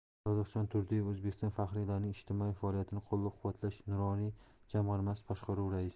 sodiqjon turdiyev o'zbekiston faxriylarining ijtimoiy faoliyatini qo'llab quvvatlash nuroniy jamg'armasi boshqaruvi raisi